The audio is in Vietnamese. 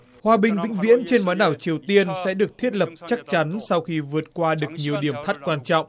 hòa bình vĩnh viễn trên bán đảo triều tiên sẽ được thiết lập chắc chắn sau khi vượt qua được nhiều điểm thắt quan trọng